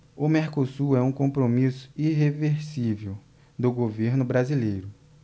o mercosul é um compromisso irreversível do governo brasileiro